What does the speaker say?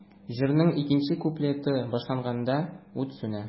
Җырның икенче куплеты башланганда, ут сүнә.